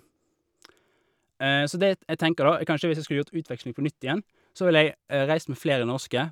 Så det t jeg tenker, da, e kanskje, hvis jeg skulle gjort utveksling på nytt igjen, så ville jeg reist med flere norske.